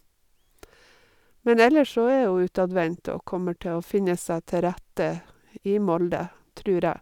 Men ellers så er hun utadvendt og kommer til å finne seg til rette i Molde, trur jeg.